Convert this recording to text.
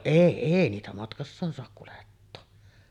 ei ei niitä matkassaan saa kuljettaa